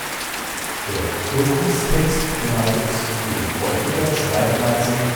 Der Urkundstext lautet in heutiger Schreibweise